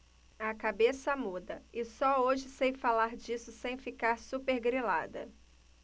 a cabeça muda e só hoje sei falar disso sem ficar supergrilada